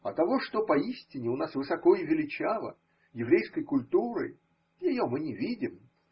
А того, что поистине у нас высоко и величаво, еврейской культуры – ее мы не видим.